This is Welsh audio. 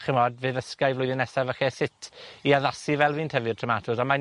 ch'mod, fe ddysgai flwyddyn nesa falle sut, i addasu fel fi'n tyfi'r tomatos, a mae'n